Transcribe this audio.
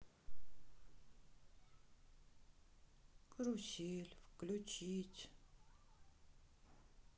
карусель включить